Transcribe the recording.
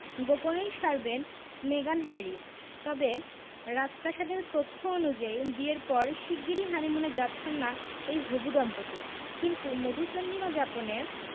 গোপনেই সারবেন মেগান হ্যারি তবে রাজপ্রাসাদের তথ্য অনুযায়ী বিয়ের পর শিগগিরই হানিমুনে যাচ্ছেন না এই হবু দম্পতি কিন্তু মধুচন্দ্রিমা যাপনে